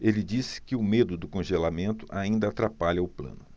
ele disse que o medo do congelamento ainda atrapalha o plano